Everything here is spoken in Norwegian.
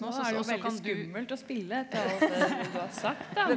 nå er det jo veldig skummelt å spille etter alt det du har sagt da.